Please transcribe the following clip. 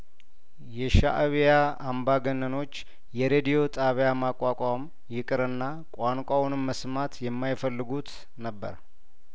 የሻእቢያ አምባገነኖች የሬዲዮ ጣቢያ ማቋቋም ይቅርና ቋንቋውንም መስማት የማይፈልጉት ነበር